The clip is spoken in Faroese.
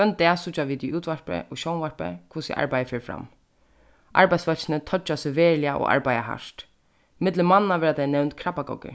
hvønn dag síggja vit í útvarpi og sjónvarpi hvussu arbeiðið fer fram arbeiðsfólkini toyggja seg veruliga og arbeiða hart millum manna verða tey nevnd krabbagoggur